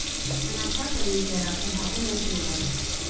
«Մնացածը», մինչդեռ, արդեն թակում էր դուռը.